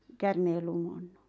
käärmeen lumonnut